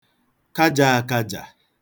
kajāākājà